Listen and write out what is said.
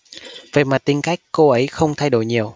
về mặt tính cách cô ấy không thay đổi nhiều